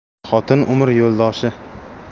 xotin umr yo'ldoshi